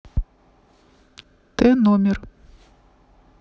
т номер